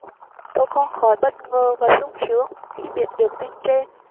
tôi không khỏi bất ngờ và sung sướng khi biết được tin trên